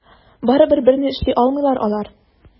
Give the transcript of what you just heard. Барыбер берни эшли алмыйлар алар.